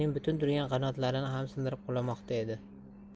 butun turgan qanotlarini ham sindirib qulamoqda edi